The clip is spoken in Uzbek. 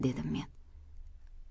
dedim men